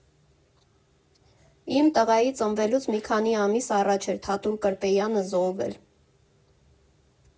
Իմ տղայի ծնվելուց մի քանի ամիս առաջ էր Թաթուլ Կրպեյանը զոհվել.